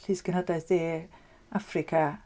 Llys Genedlaeth De Affrica...